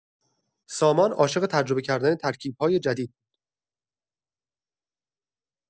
سامان عاشق تجربه کردن ترکیب‌های جدید بود.